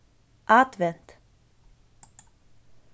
advent